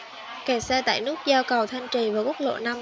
kẹt xe tại nút giao cầu thanh trì và quốc lộ năm